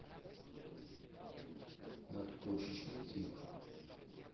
надпочечный тип